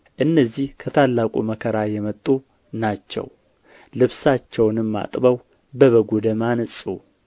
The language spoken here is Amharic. እነዚህ ከታላቁ መከራ የመጡ ናቸው ልብሳቸውንም አጥበው በበጉ ደም አነጹ